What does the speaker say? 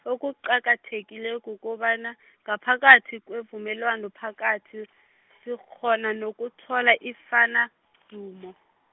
okuqakathekileko kukobana , ngaphakathi kwevumelwano phakathi, sikghona nokuthola ifana mdumo.